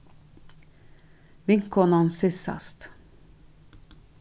vinkonan sissast